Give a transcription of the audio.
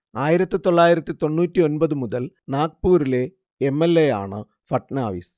ആയിരത്തി തൊള്ളായിരത്തി തൊണ്ണൂറ്റി ഒമ്പതു മുതൽ നാഗ്പൂറിലെ എം. എൽ. എ. ആണ് ഫട്നാവിസ്